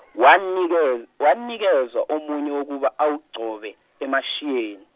wanike- wanikezwa omunye wokuba awugcobe emashiyeni.